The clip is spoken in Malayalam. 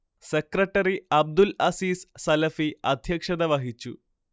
സെക്രട്ടറി അബ്ദുൽ അസീസ് സലഫി അധ്യക്ഷത വഹിച്ചു